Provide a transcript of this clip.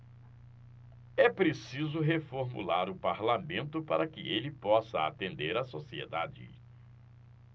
é preciso reformular o parlamento para que ele possa atender a sociedade